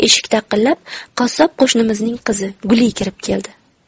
eshik taqillab qassob qo'shnimizning qizi guli kirib keldi